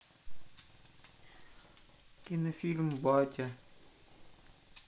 кинофильм батя